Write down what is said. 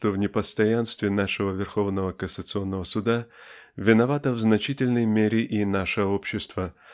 что в непостоянстве нашего верховного кассационного суда виновато в значительной мере и наше общество